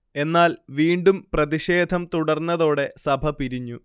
എന്നാൽ വീണ്ടും പ്രതിഷേധം തുടർന്നതോടെ സഭ പിരിഞ്ഞു